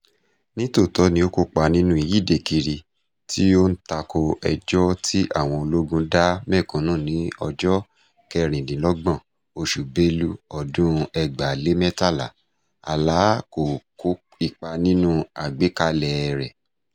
Ní tòótọ́ ni ó kópa nínú ìyíde kiri tí ó ń tako ẹjọ́ tí àwọn ológun dá mẹ́kúnnú ní ọjọ́ 26 oṣù Belu ọdún 2013, Alaa kò kó ipa nínú àgbékalẹ̀ẹ rẹ̀.